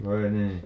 vai niin